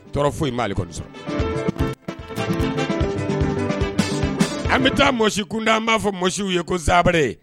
Tɔɔrɔ foyi in'ale kɔnɔsɔn an bɛ taa mɔsi kunda an b'a fɔ mɔsiw ye ko zsaabanri